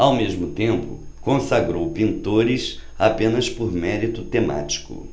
ao mesmo tempo consagrou pintores apenas por mérito temático